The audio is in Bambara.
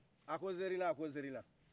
a ko n ser'i la a ko n ser'i la